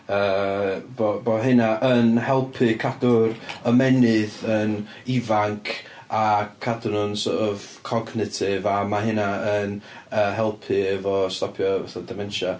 Yy bo' bo' hynna yn helpu cadw'r ymennydd yn ifanc, a cadw nhw'n sort of cognitive a ma' hynna yn yy helpu efo stopio fatha dementia.